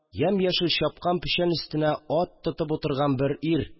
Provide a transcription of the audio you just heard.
Ямь-яшел чапкан печән өстенә ат тотып утырган бер ир